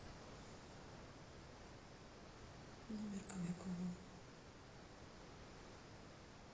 номер кобякова